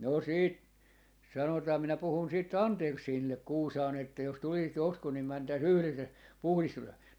no sitten sanotaan minä puhun sitten Andersenille Kuusaan että jos tulisit joskus niin mentäisiin yhdessä ja -